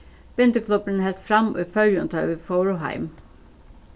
bindiklubburin helt fram í føroyum tá ið vit fóru heim